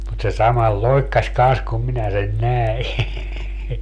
mutta se samalla loikkasi kanssa kun minä sen näin